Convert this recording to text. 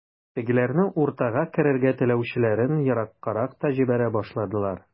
Тегеләрнең уртага керергә теләүчеләрен ераккарак та җибәрә башладылар.